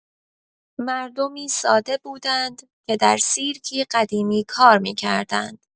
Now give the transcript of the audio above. مردمی ساده بودند که در سیرکی قدیمی کار می‌کردند.